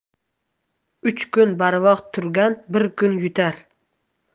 uch kun barvaqt turgan bir kun yutar